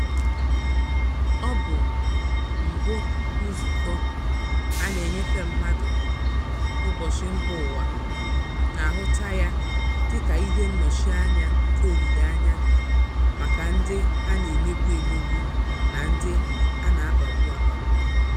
Ọ bụ mbụ nzukọ a na-enyefe mmadụ ụbọchị mbaụwa, na-ahụta ya dịka ihe nnọchianya nke olileanya maka ndị a na-emegbu emegbu na ndị a na-akpagbu akpagbu.